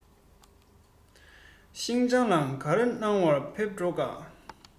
ཤིན ཅང ལ ག རེ གནང ག ཕེབས འགྲོ ག ཀ